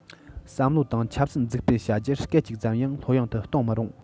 བསམ བློ དང ཆབ སྲིད འཛུགས སྤེལ བྱ རྒྱུ སྐད ཅིག ཙམ ཡང ལྷོད གཡེང དུ གཏོང མི རུང